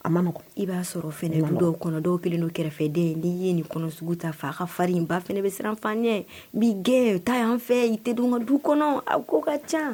A ma i b'a sɔrɔ finɛ du kɔnɔ dɔw kelen o kɛrɛfɛden ni'i ye nin kɔnɔ sugu ta fa ka faririn in ba f bɛ siranfan ɲɛ n bi gɛn o ta yan fɛ i te' ma du kɔnɔ a ko ka ca